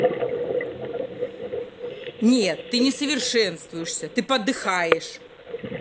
нет ты не совершенствуешься ты подыхаешь